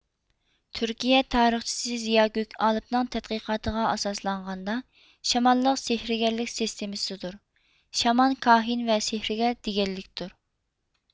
تۈركىيە تارىخچىسى زىياگۆكئالىپنىڭ تەتقىقاتىغا ئاساسلانغاندا شامانلىق سېھىرىگەرلىك سېستىمىسىدۇر شامان كاھىن ۋە سېھىرىگەر دىگەنلىكتۇر